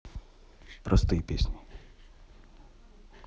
простые песни